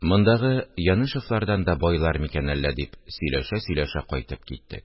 Мондагы Янышевлардан да байлар микән әллә?..» – дип сөйләшә-сөйләшә кайтып киттек